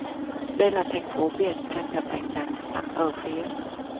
đây là thành phố biển tràn ngập ánh nắng nằm ở phía